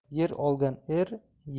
yer olgan er